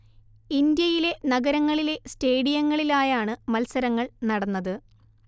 ഇന്ത്യയിലെ നഗരങ്ങളിലെ സ്റ്റേഡിയങ്ങളിലായാണ് മത്സരങ്ങൾ നടന്നത്